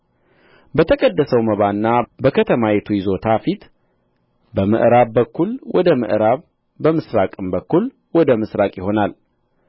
በተቀደሰው መባና በከተማይቱ ይዞታ አጠገብ በዚህና በዚያ ይሆናል በተቀደሰው መባና በከተማይቱ ይዞታ ፊት በምዕራብ በኩል ወደ ምዕራብ በምሥራቅም በኩል ወደ ምሥራቅ ይሆናል